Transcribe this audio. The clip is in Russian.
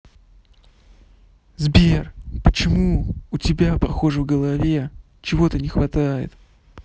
сбер почему у тебя похоже в голове что то и не хватает